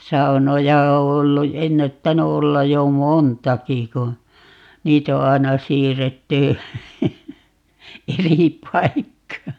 saunoja on ollut ennättänyt olla jo montakin kun niitä on aina siirretty eri paikkaan